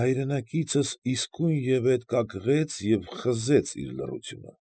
Հայրենակիցս իսկույնևեթ կակղեց և խզեց իր լռությունը։